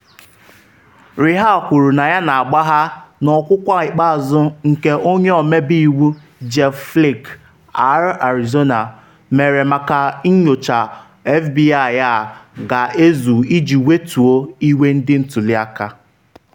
Reeher kwuru na ya na-agbagha n’ọkwụkwa ikpeazụ nke Onye Ọmebe Iwu Jeff Flake (R-Arizona) mere maka nyocha FBI a ga-ezu iji wetuo iwe ndị ntuli aka.